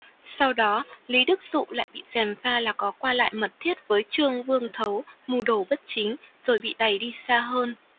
sau đó lý đức dụ lại bị gièm pha là có qua lại mật thiết với chương vương thấu mưu đồ bất chính rồi bị đày đi xa hơn